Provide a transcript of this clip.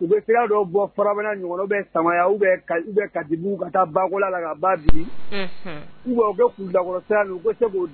U bɛereya dɔw bɔ fara ɲɔgɔn bɛ samaya di ka taa bankɔla la ka ban bi u u bɛ'u lakɔrɔya ko se k'u